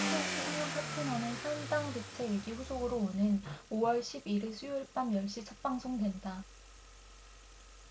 파이팅 수상한 파트너는 사임당 빛의 일기 후속으로 오는 오 월 십 일 수요일 밤 열 시 첫 방송된다